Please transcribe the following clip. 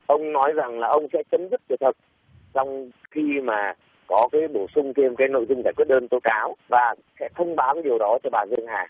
ông nói rằng là ông sẽ chấm dứt tuyệt thực trong khi mà có cái bổ sung thêm cái nội dung giải quyết đơn tố cáo và sẽ thông báo cái điều đó cho bài dương hà